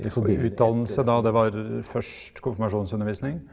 og utdannelse da det var først konfirmasjonsundervisning?